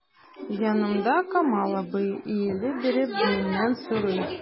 Янымда— Камал абый, иелә биреп миннән сорый.